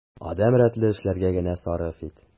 Адәм рәтле эшләргә генә сарыф ит.